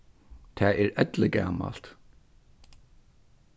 tað er elligamalt